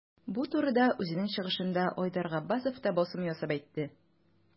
Бу турыда үзенең чыгышында Айдар Габбасов та басым ясап әйтте.